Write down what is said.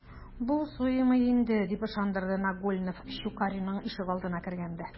Бу суймый инде, - дип ышандырды Нагульнов Щукарьның ишегалдына кергәндә.